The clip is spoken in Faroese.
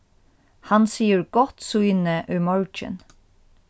hann sigur gott sýni í morgin